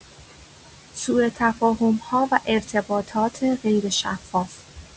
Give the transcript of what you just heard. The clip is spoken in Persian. سوء‌تفاهم‌ها و ارتباطات غیرشفاف